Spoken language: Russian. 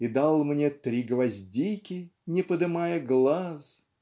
И дал мне три гвоздики, Не подымая глаз.